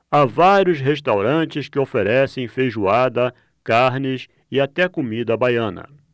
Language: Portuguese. há vários restaurantes que oferecem feijoada carnes e até comida baiana